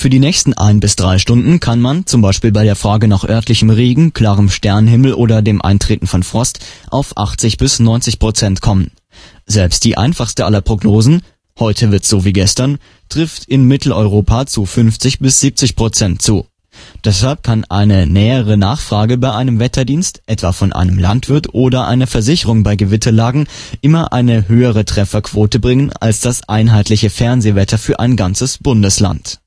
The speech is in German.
die nächsten 1-3 Stunden kann man - z. B. bei der Frage nach örtlichem Regen, klarem Sternhimmel oder Eintreten von Frost - auf 80 bis 90 Prozent kommen. Selbst die einfachste aller Prognosen - heute wird 's so wie gestern - trifft in Mitteleuropa zu 50 bis 70 Prozent zu. Deshalb kann eine nähere Nachfrage bei einem Wetterdienst, etwa von einem Landwirt oder einer Versicherung bei Gewitterlagen, immer eine höhere Trefferquote bringen als das „ einheitliche Fernsehwetter für ein ganzes Bundesland